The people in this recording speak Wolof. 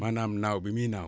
maanaam naaw bi muy naaw